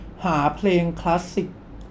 หาเพลงคลาสสิค